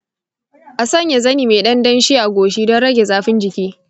a sanya zani mai ɗan danshi a goshi don rage zafin jiki.